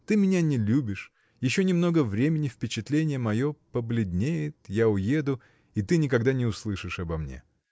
Ты меня не любишь, еще немного времени, впечатление мое побледнеет, я уеду, и ты никогда не услышишь обо мне.